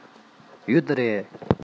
ཡོད རེད